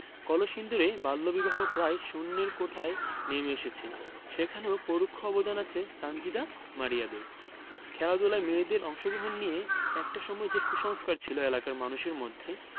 কলসিন্দুরে বাল্যবিবাহ প্রায় শূন্যের কোঠায় নেমে এসেছে সেখানেও পরোক্ষ অবদান আছে সানজিদা মারিয়াদের খেলাধুলায় মেয়েদের অংশগ্রহণ নিয়ে একটা সময় যে কুসংস্কার ছিল এলাকার মানুষের মধ্যে